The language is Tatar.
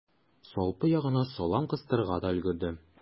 Салпы ягына салам кыстырырга да өлгерде.